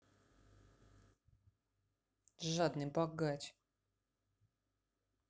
жадный богач